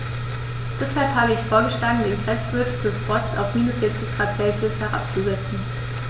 Deshalb habe ich vorgeschlagen, den Grenzwert für Frost auf -40 ºC herabzusetzen.